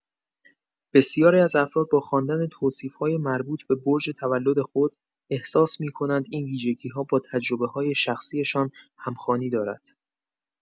بسیاری از افراد با خواندن توصیف‌های مربوط به برج تولد خود، احساس می‌کنند این ویژگی‌ها با تجربه‌های شخصی‌شان هم‌خوانی دارد.